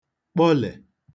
kpọle